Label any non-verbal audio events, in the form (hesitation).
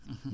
(hesitation) (hesitation)